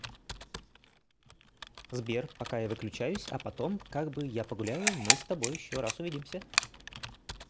сбер пока я выключаюсь а потом как бы я погуляю мы с тобой еще раз увидимся